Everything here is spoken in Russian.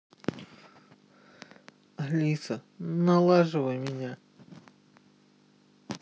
алиса налаживай меня